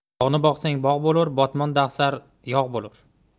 bog'ni boqsang bog' bo'lur botmon dahsar yog' bo'lur